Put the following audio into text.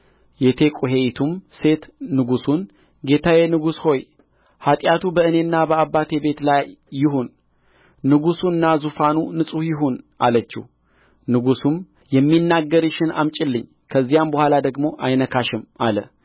የቴቁሔይቱም ሴት ንጉሡን ጌታዬ ንጉሥ ሆይ ኃጢአቱ በእኔና በአባቴ ቤት ላይ ይሁን ንጉሡና ዙፋኑ ንጹሕ ይሁን አለችው ንጉሡም የሚናገርሽን አምጪልኝ ከዚያም በኋላ ደግሞ አይነካሽም አለ